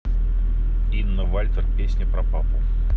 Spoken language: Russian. инна вальтер песня про папу